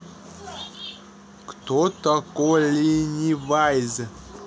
кто такой пеннивайз